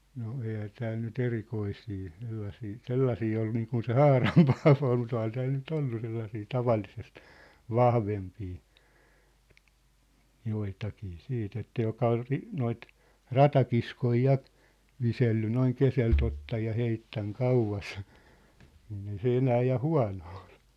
no eihän täällä nyt erikoisia sellaisia sellaisia ole niin kuin se Haaran Paavo oli mutta onhan täällä nyt ollut sellaisia tavallisesti vahvempia joitakin sitten että joka oli - noita ratakiskoja ja viskellyt noin keskeltä ottanut ja heittänyt kauas niin ei se enää ja huono ollut